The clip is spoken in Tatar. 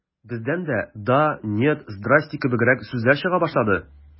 Бездән дә «да», «нет», «здрасте» кебегрәк сүзләр чыга башлады.